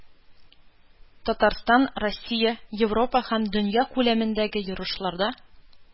Татарстан, Россия, Европа һәм дөнья күләмендәге ярышларда